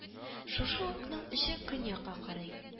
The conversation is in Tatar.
Шушы укның очы көнъякка карый